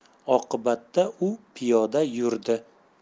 oqibatda u piyoda yurdi